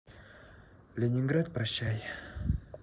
ленинград прощай